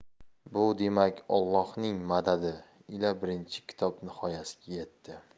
bu demak ollohning madadi ila birinchi kitob nihoyasiga yetdi